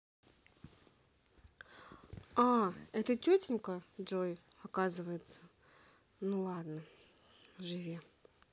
а это тетенька джой оказывается ну ладно живи